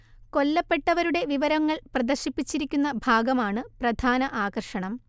കൊല്ലപ്പെട്ടവരുടെ വിവരങ്ങൾ പ്രദർശിപ്പിച്ചിരിക്കുന്ന ഭാഗമാണ് പ്രധാന ആകർഷണം